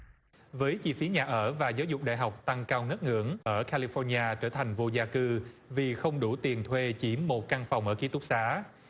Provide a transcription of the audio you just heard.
với chi phí nhà ở và giáo dục đại học tăng cao ngất ngưởng ở ca li phóc ni a trở thành vô gia cư vì không đủ tiền thuê chỉ một căn phòng ở ký túc xá